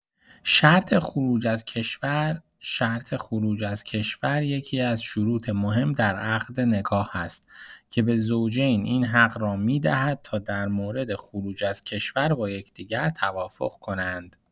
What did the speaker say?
شرط خروج از کشور شرط خروج از کشور یکی‌از شروط مهم در عقد نکاح است که به زوجین این حق را می‌دهد تا در مورد خروج از کشور با یکدیگر توافق کنند.